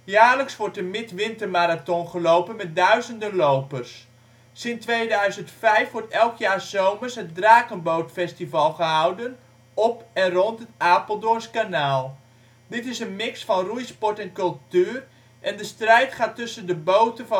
Jaarlijks wordt de Midwinter Marathon gelopen met duizenden lopers. Sinds 2005 wordt elk jaar ' s zomers het Drakenbootfestival gehouden op en rond het Apeldoorns Kanaal. Dit is een mix van roeisport en cultuur en de strijd gaat tussen de boten